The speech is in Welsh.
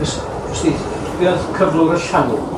Fys- 'sdi- be' o'dd cyflwr y llanw?